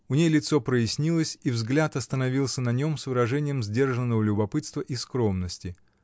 У ней лицо прояснилось, и взгляд остановился на нем с выражением сдержанного любопытства и скромности.